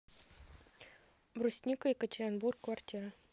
брусника екатеринбург квартиры